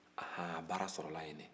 a han baara sɔrɔla yen